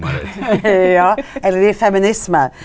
ja, eller i feminisme.